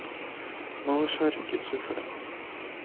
малышарики цифры